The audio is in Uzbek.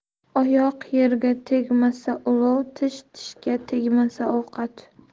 oyoq yerga tegmasa ulov tish tishga tegmasa ovqat